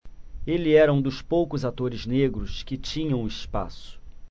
ele era um dos poucos atores negros que tinham espaço